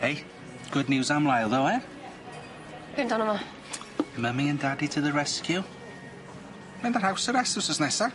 Ey, good news am Lyle tho e? Be' amdano fo? Mummy and daddy to the rescue. Mynd ar house arrest wsos nesa.